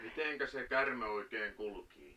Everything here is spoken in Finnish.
miten se käärme oikein kulkee